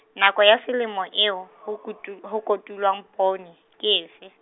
nako ya selemo eo , ho kutu- ho kotulwang poone, ke efe?